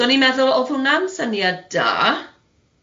So o'n i'n meddwl oedd hwnna'n syniad da.